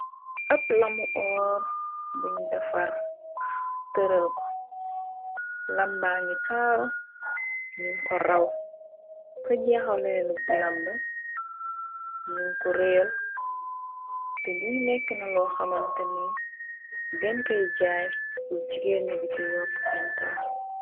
Ab lamu oor, buñ dafar, tërël ko, làmba ngi taaro, ñu ko raw ca jeexaleelun làmba ñu ko reyeel, te li nekk na loo xamanteni, den kay jaay pur jigeen nye diko yokk seen taar.